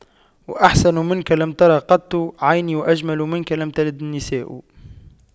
وأحسن منك لم تر قط عيني وأجمل منك لم تلد النساء